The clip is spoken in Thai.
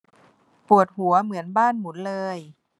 ปวดหัวเหมือนบ้านหมุนเลย